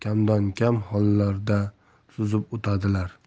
kam hollarda suzib o'tadilar